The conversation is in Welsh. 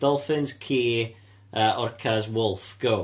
Dolffins ci a orcas wolf go.